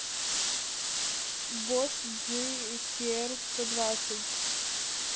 бош джи си эр сто двадцать